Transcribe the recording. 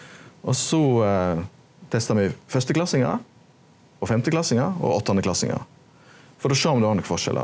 og so testa me fyrsteklassingar og femteklassingar og åttandeklassingar for å sjå om det var nokon forskjellar.